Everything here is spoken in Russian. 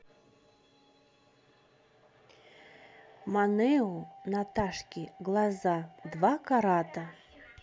money наташки глаза два карата